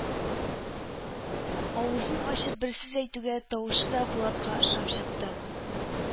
Авызын ачып бер сүз әйтүгә тавышы да Булатка ошап чыкты.